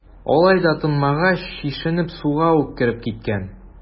Алай да тынмагач, чишенеп, суга ук кереп киткән.